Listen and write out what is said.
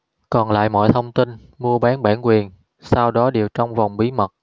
còn lại mọi thông tin mua bán bản quyền sau đó đều trong vòng bí mật